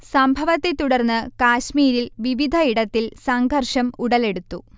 സംഭവത്തെ തുടർന്ന് കാശ്മീരിൽ വിവിധ ഇടത്തിൽ സംഘർഷം ഉടലെടുത്തു